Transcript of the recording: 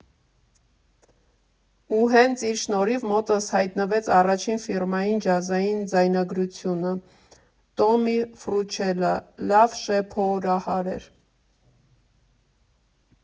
Ու հենց իր շնորհիվ մոտս հայտնվեց առաջին ֆիրմային ջազային ձայնագրությունը՝ Տոմի Ֆրուչելլա, լավ շեփորահար էր։